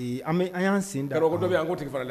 An y'an sen da yɔrɔ dɔ an ko tigi fara la